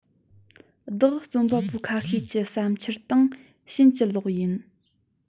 བདག རྩོམ པ པོ ཁ ཤས ཀྱི བསམ འཆར དང ཕྱིན ཅི ལོག ཡིན